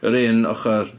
Yr un ochr?